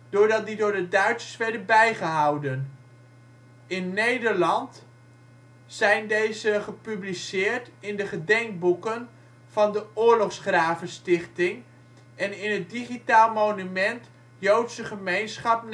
doordat die door de Duitsers werden bijgehouden. In Nederland zijn deze gepubliceerd in de gedenkboeken van de Oorlogsgravenstichting (algemeen) en in het Digitaal Monument Joodse Gemeenschap